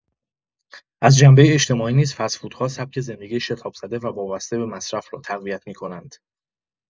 از جنبه اجتماعی نیز فست‌فودها سبک زندگی شتاب‌زده و وابسته به مصرف را تقویت می‌کنند.